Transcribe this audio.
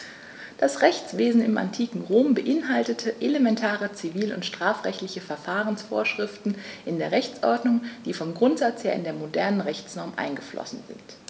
Das Rechtswesen im antiken Rom beinhaltete elementare zivil- und strafrechtliche Verfahrensvorschriften in der Rechtsordnung, die vom Grundsatz her in die modernen Rechtsnormen eingeflossen sind.